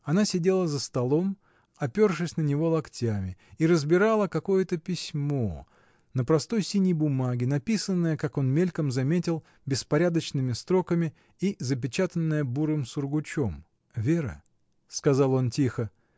Она сидела за столом, опершись на него локтями, и разбирала какое-то письмо, на простой синей бумаге, написанное, как он мельком заметил, беспорядочными строками и запечатанное бурым сургучом. — Вера! — сказал он тихо.